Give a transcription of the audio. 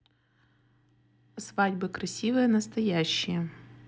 свадьбы красивые настоящие